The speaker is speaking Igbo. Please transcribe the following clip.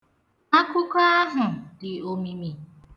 Akụkọ ahụ dị omimi.